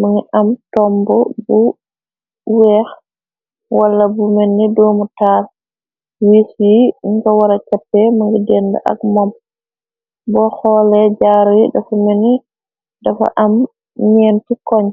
mëngi am tomb bu weex wala bu menni doomu taal. Wiis yi nga wala cappe mëngi dend ak mom bo xoole jaaru yi dafa meni dafa am nyeenti koñ.